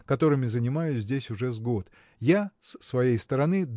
которыми занимаюсь здесь уже с год. Я с своей стороны